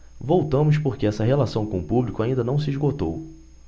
voltamos porque essa relação com o público ainda não se esgotou